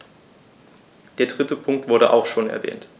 Der dritte Punkt wurde auch schon erwähnt.